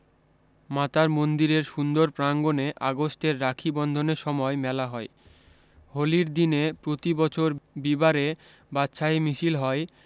মাতার মন্দিরের সুন্দর প্রাঙ্গনে আগষ্টের রাখি বন্ধনের সময় মেলা হয় হলির দিনে প্রতি বছর বিবারে বাদশাহী মিছিল হয়